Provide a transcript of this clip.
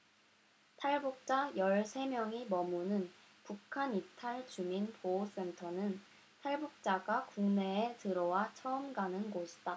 탈북자 열 세 명이 머무는 북한이탈주민보호센터는 탈북자가 국내에 들어와 처음 가는 곳이다